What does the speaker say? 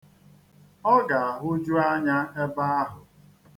Ọ ga-ahụju anya ebe ahụ.